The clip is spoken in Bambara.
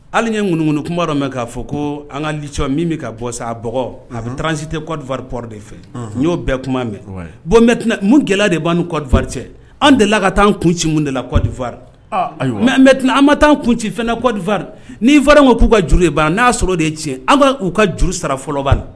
Hali ɲɛ ŋunkununu kuma dɔ mɛn k'a fɔ ko an kalic min bɛ ka bɔ sa a bɔ a bɛ taaransi tɛdifaɔr de fɛ n y'o bɛɛ kuma mɛn bɔnt gɛlɛya de b' ni kɔdifa cɛ an dela ka taa kunci mun de la kɔdfarit an ma taaan kun ci fɛnla kɔdfari nifa in ko k'u ka juru e ban n'a'a sɔrɔ de tiɲɛ an ka'u ka juru sara fɔlɔba la